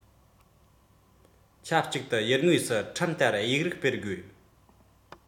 ཆབས ཅིག ཏུ ཡུལ དངོས སུ ཁྲིམས བསྟར ཡིག རིགས སྤེལ དགོས